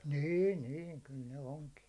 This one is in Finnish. niin niin kyllä ne onki